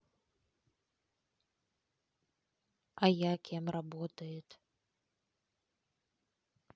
а я кем работает